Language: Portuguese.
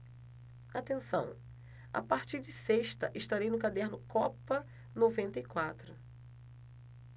atenção a partir de sexta estarei no caderno copa noventa e quatro